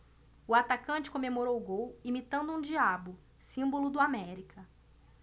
o atacante comemorou o gol imitando um diabo símbolo do américa